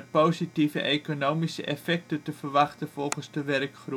positieve economische effecten te verwachten volgens de werkgroep. Op